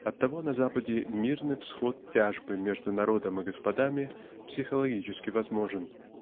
Оттого на Западе мирный исход тяжбы между народом и господами психологический возможен